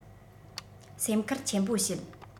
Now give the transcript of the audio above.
སེམས ཁུར ཆེན པོ བྱེད